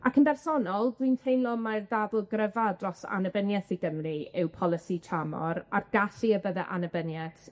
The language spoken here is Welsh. Ac yn bersonol, dwi'n teimlo mai'r dadl gryfa dros annibynieth i Gymru yw polisi tramor, a'r gallu y bydde annibynieth